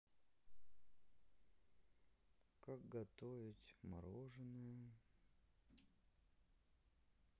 как готовить мороженое